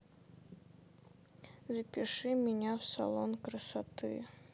запиши меня в салон красоты